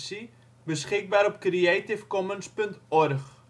6° 00 ' OL